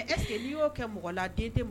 Est ce que n'i y'o kɛ mɔgɔ la, den tɛ